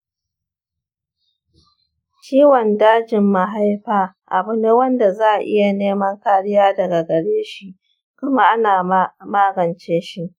ciwon dajin mahaifa abune wanda za'a iya neman kariya daga gare shi kuma ana magan ce shi.